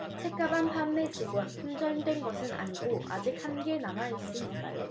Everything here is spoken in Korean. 책가방 판매 직원 품절된 것은 아니고 아직 한개 남아있으니까요